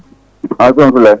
*